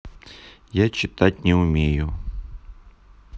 я читать не умею